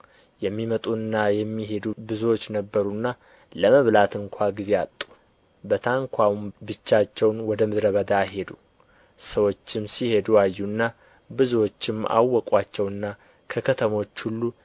የሚመጡና የሚሄዱ ብዙዎች ነበሩና ለመብላት እንኳ ጊዜ አጡ በታንኳውም ብቻቸውን ወደ ምድረ በዳ ሄዱ ሰዎችም ሲሄዱ አዩአቸው ብዙዎችም አወቁአቸውና ከከተሞች ሁሉ